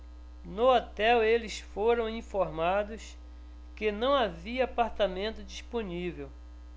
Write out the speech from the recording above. no hotel eles foram informados que não havia apartamento disponível